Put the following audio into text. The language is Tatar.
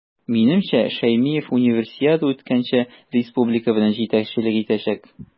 Минемчә, Шәймиев Универсиада үткәнче республика белән җитәкчелек итәчәк.